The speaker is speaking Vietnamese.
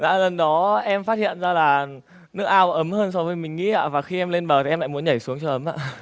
dạ lần đó em phát hiện ra là nước ao ấm hơn so với mình nghĩ ạ và khi em lên bờ thì em lại muốn nhảy xuống cho ấm